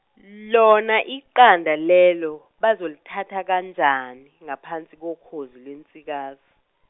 lona iqanda lelo bazolithatha kanjani ngaphansi kokhozi lwensikazi .